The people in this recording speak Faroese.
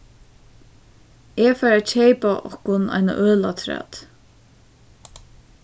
eg fari at keypa okkum eina øl afturat